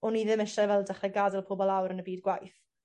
o'n i ddim isiau fel dechre gad'el pobol lawr yn y bryd gwaith.